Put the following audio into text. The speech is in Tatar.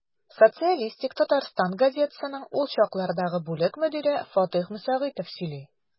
«социалистик татарстан» газетасының ул чаклардагы бүлек мөдире фатыйх мөсәгыйтов сөйли.